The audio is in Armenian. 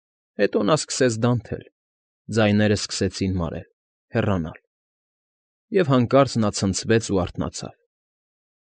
Հետո նա դանթել, ձայներն սկսեցին մարել, հեռանալ… և հանկարծ նա ցնցվեց ու արթնացավ։